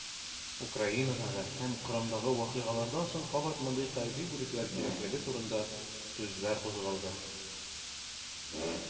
Украинадагы һәм Кырымдагы вакыйгалардан соң кабат мондый хәрби бүлекләр кирәклеге турында сүзләр кузгалды.